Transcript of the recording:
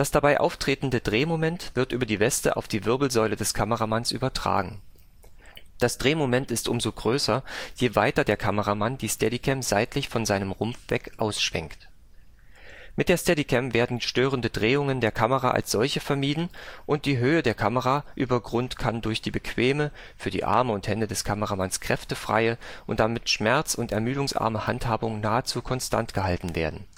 dabei auftretende Drehmoment wird über die Weste auf die Wirbelsäule des Kameramanns übertragen. Das Drehmoment ist umso größer, je weiter der Kameramann die Steadicam seitlich von seinem Rumpf weg ausschwenkt. Mit der Steadicam werden störende Drehungen der Kamera als solche vermieden, und die Höhe der Kamera über Grund kann durch die bequeme (für die Arme und Hände des Kameramanns kräftefreie und damit schmerz - und ermüdungsarme) Handhabung nahezu konstant gehalten werden